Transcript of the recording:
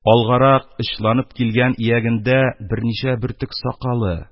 Алгарак очланып килгән иягендә берничә бөртек сакалы,